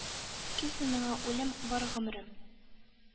Кил син миңа, үлем, бары гомрем